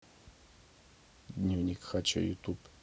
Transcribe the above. дневник хача ютуб